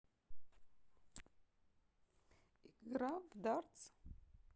игра в дартс